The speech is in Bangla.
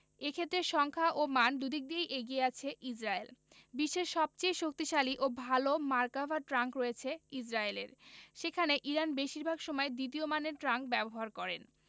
এ ক্ষেত্রে সংখ্যা ও মান দুদিক দিয়েই এগিয়ে আছে ইসরায়েল বিশ্বের সবচেয়ে শক্তিশালী ও ভালো মার্কাভা ট্যাংক রয়েছে ইসরায়েলের সেখানে ইরান বেশির ভাগ সময় দ্বিতীয় মানের ট্যাংক ব্যবহার করে